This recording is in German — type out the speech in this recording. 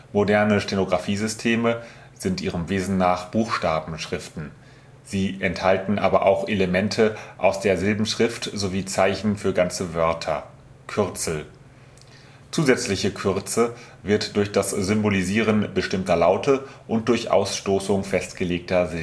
Moderne Stenografiesysteme sind ihrem Wesen nach Buchstabenschriften. Sie enthalten aber auch Elemente aus der Silbenschrift sowie Zeichen für ganze Wörter (" Kürzel "). Zusätzliche Kürze wird durch das Symbolisieren bestimmter Laute und durch Ausstoßung festgelegter